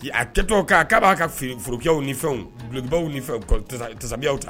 A kɛtɔ ka k'a b'a ka forokiyaw ni fɛnw dulokibaw ni fɛnw tasabiyaw ta